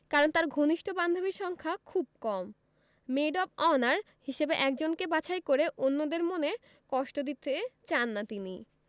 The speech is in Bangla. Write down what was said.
কারণ তাঁর ঘনিষ্ঠ বান্ধবীর সংখ্যা খুব কম মেড অব অনার হিসেবে একজনকে বাছাই করে অন্যদের মনে কষ্ট দিতে চান না তিনি